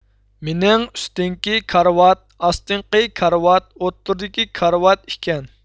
مېنىڭ ئۈستۈنكى كارىۋات ئاستىنقى كارىۋات ئوتتۇرىدىكى كارىۋات ئىكەن